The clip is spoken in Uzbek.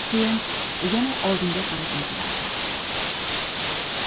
keyin yana oldinga qarab intilardi